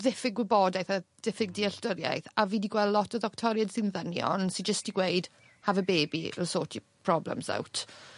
ddiffyg gwybodaeth o diffyg dealltwriaeth a fi 'di gwel' lot o ddoctoried sy'n ddynion sy jyst 'di gweud Have a baby it'll sort your problems out